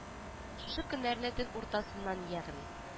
Шушы көннәрне төн уртасыннан ягъни